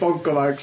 Bongo mags.